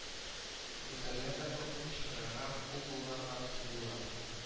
Бүтәннәр дә куркып кычкырырга кул болгарга тотындылар